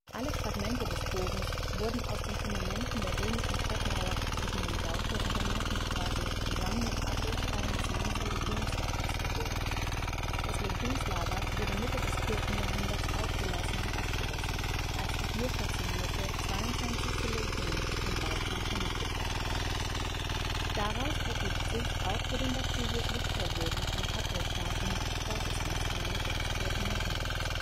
Alle Fragmente des Bogens wurden aus den Fundamenten der römischen Stadtmauer zwischen dem Gautor und der Martinstraße zusammen mit Abbruchsteinen des Mainzer Legionslagers geborgen. Das Legionslager wurde Mitte des 4. Jahrhunderts aufgelassenen und abgerissen, als die hier stationierte 22. Legion auf dem Balkan vernichtet worden war. Daraus ergibt sich auch für den Dativius-Victor-Bogen ein Abbruchdatum spätestens in der Mitte des 4. Jahrhunderts